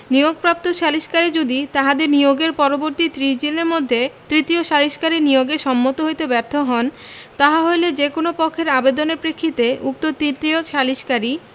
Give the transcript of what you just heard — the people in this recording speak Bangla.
নিয়োগপ্রাপ্ত সালিসকারী যদি তাহাদের নিয়োগের পরবর্তি ত্রিশ দিনের মধ্যে তৃতীয় সালিসকারী নিয়োগে সম্মত হইতে ব্যর্থ হন তাহা হইলে যে কোন পক্ষের আবেদনের প্রেক্ষিতে উক্ত তৃতীয় সালিসকারী